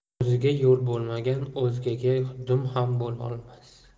o'ziga yol bo'lmagan o'zgaga dum ham bo'lolmas